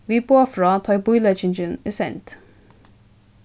vit boða frá tá ið bíleggingin er send